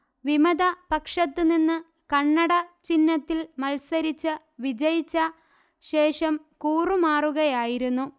വിമത പക്ഷത്ത് നിന്ന് കണ്ണട ചിഹ്നത്തിൽ മല്സരിച്ച് വിജയിച്ച ശേഷം കൂറുമാറുകയായിരുന്നു